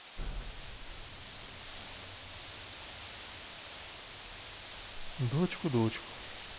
дочку дочку